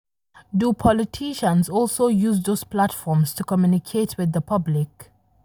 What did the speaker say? Do politicians also use those platforms to communicate with the public?